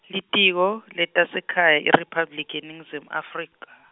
Litiko, leTasekhaya IRiphabliki yeNingizimu Afrika.